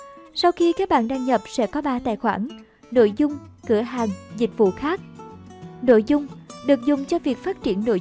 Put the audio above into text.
sau khi các bạn đăng nhập sẽ có tài khoản nội dung cửa hàng dịch vụ khác nội dung được dùng cho việc phát triển nội dung và tin tức cộng đồng